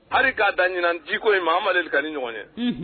Hali k'a da ɲinan diko in ma amadu deli ka ni ɲɔgɔn ye